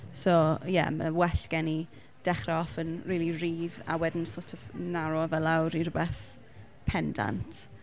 So ie mae'n well gen i dechrau off yn rili rhydd a wedyn sort of narwo fe lawr i rywbeth pendant.